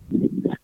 Ne'ra